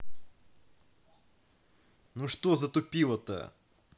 ну что затупила то